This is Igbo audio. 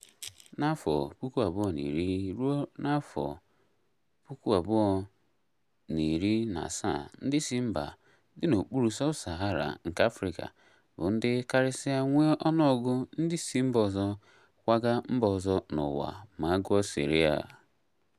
N'afọ 2010-2017, ndị si mba ndị dị n'okpuru sub-Sahara nke Afrịka bụ ndị karịsịa nwee ọnụọgụgụ ndị si mba ọzọ kwaga mba ọzọ n'ụwa ma a gụọ Syria.